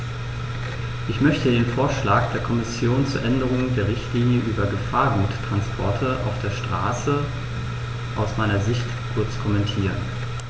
Ich möchte den Vorschlag der Kommission zur Änderung der Richtlinie über Gefahrguttransporte auf der Straße aus meiner Sicht kurz kommentieren.